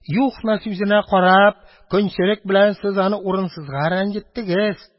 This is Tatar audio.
Юхна сүзенә карап, көнчелек белән сез аны урынсызга рәнҗеттегез